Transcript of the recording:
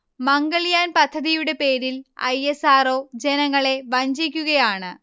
മംഗൾയാൻ പദ്ധതിയുടെ പേരിൽ I. S. R. O. ജനങ്ങളെ വഞ്ചിക്കുകയാണ്